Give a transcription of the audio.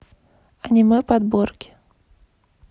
аниме подборки